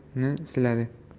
qo'ng'ir sochlarini siladi